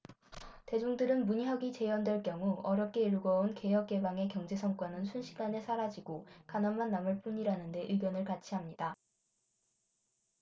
대중들은 문혁이 재연될 경우 어렵게 일궈 온 개혁개방의 경제 성과는 순식간에 사라지고 가난만 남을 뿐이라는데 의견을 같이 합니다